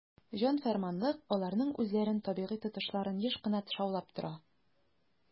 "җан-фәрманлык" аларның үзләрен табигый тотышларын еш кына тышаулап тора.